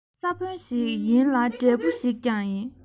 ས བོན ཞིག ཡིན ལ འབྲས བུ ཞིག ཀྱང ཡིན